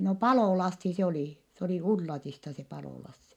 no Palo-Lassi se oli se oli Ullatista se Palo-Lassi